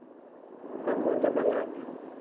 погода в анапе